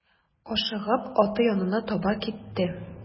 Ашыгып аты янына таба китте.